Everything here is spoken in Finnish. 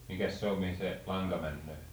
mikäs se on mihin se lanka menee